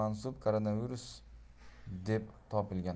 mansub koronavirus deb topilgan